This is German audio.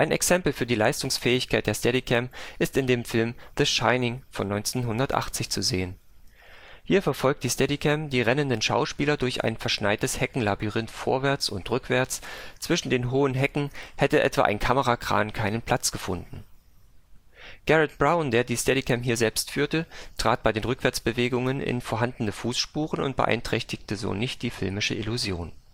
Exempel für die Leistungsfähigkeit der Steadicam ist in dem Film The Shining von 1980 zu sehen: Hier verfolgt die Steadicam die rennenden Schauspieler durch ein verschneites Heckenlabyrinth vorwärts und rückwärts – zwischen den hohen Hecken hätte etwa ein Kamerakran keinen Platz gefunden. Garrett Brown, der die Steadicam hier selbst führte, trat bei den Rückwärtsbewegungen in vorhandene Fußspuren und beeinträchtigte so nicht die filmische Illusion